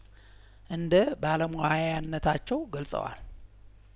እንደ ባለሙያነታቸው ገልጸዋል